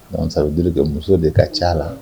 Sa u jelikɛ muso de ka ca la